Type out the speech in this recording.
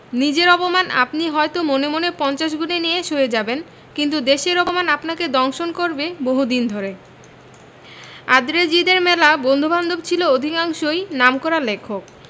নিজের অপমান আপনি হয়ত মনে মনে পঞ্চাশ গুণে নিয়ে সয়ে যাবেন কিন্তু দেশের অপমান আপনাকে দংশন করবে বহুদিন ধরে আঁদ্রে জিদের মেলা বন্ধুবান্ধব ছিলেন অধিকাংশই নামকরা লেখক